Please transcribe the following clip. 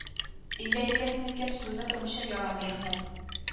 Инде әйткәнсең икән сүзеңдә тормыйча ярамый әхмәт